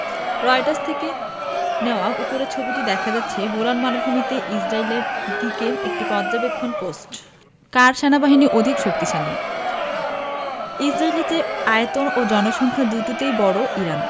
Reuters থেকে নেয়া উপরের ছবিটিতে দেখা যাচ্ছে গোলান মালভূমিতে ইসরায়েলের দিকের একটি পর্যবেক্ষণ পোস্ট কার সেনাবাহিনী অধিক শক্তিশালী ইসরায়েলের চেয়ে আয়তন ও জনসংখ্যা দুটোতেই বড় ইরান